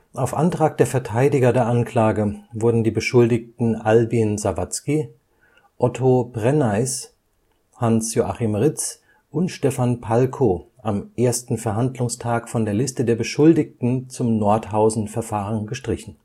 Auf Antrag der Vertreter der Anklage wurden die Beschuldigten Albin Sawatzki, Otto Brenneis, Hans Joachim Ritz und Stefan Palko am ersten Verhandlungstag von der Liste der Beschuldigten zum Nordhausen-Verfahren gestrichen